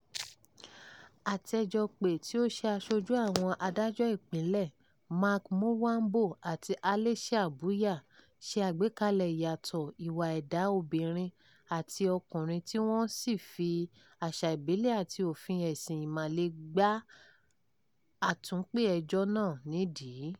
Atẹ́jọ́pè, tí ó jẹ́ aṣojú àwọn adájọ́ ìpínlẹ̀, Mark Mulwambo àti Alesia Mbuya, ṣe àgbékalẹ̀ ìyàtọ̀ ìwà ẹ̀dá obìnrin àti ọkùnrin tí wọ́n sì fi àṣà ìbílẹ̀ àti òfin ẹ̀sìn Ìmàle gbá àtúnpè-ẹjọ́ náà nídìí.